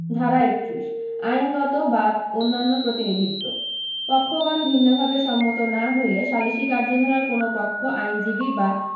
ধারা ৩১ আইনগত বা অন্যান্য প্রতিনিধিত্ব পক্ষগণ ভিন্নভাবে সম্মত না হইলে সালিসী কার্যধারার কোন পক্ষ আইনজীবী বা